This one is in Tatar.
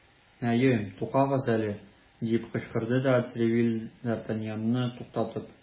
Әйе, тукагыз әле! - дип кычкырды де Тревиль, д ’ Артаньянны туктатып.